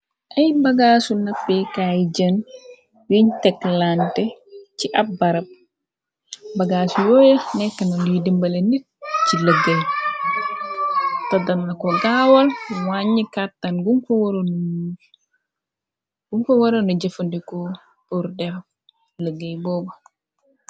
Ay bagaasu nappeekaay jën yiñ teklante ci ab barab bagaasu yooyax nekkna luy dimbale nit ci lëggéey te dana ko gaawal wàññi kàttan gum ko waranu jëfandiko pur def lëggéey booba.